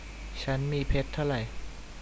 ฉันมีเพชรเท่าไร